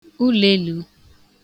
ụlèelū